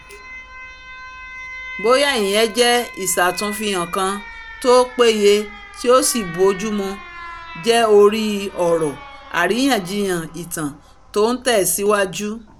Bóyá ìyẹn jẹ ìsàtúnfihàn kan tó péye tí ó sì bójúmu jẹ́ orí ọ̀rọ̀ àríyànjiyàn ìtàn tó ńtẹ̀síwájú.